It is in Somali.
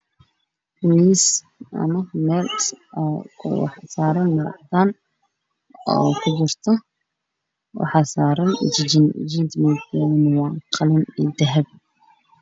Meeshan waxaa weel caddaanna waxaa kor saaran jiijin daaba midabkeedu waa qaxwi